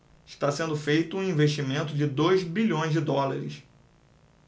está sendo feito um investimento de dois bilhões de dólares